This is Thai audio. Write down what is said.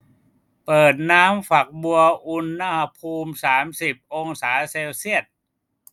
เปิดน้ำฝักบัวอุณหภูมิสามสิบองศาเซลเซียส